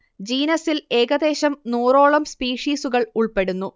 ജീനസിൽ ഏകദേശം നൂറോളം സ്പീഷിസുകൾ ഉൾപ്പെടുന്നു